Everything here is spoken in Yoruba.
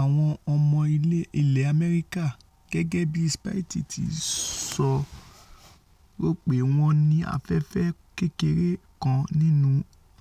Àwọn ọmọ ilẹ̀ Amẹrika, gẹ́gẹ́bí Spieth ti ńsọ, ròpé wọ́n ní afẹ́fẹ̵́ kékeré kan nínú